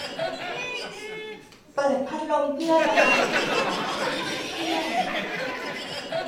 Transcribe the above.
เปิดพัดลมเพื่อระบายอากาศทุกเที่ยง